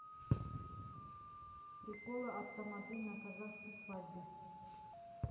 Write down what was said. приколы от тамады на казахской свадьбе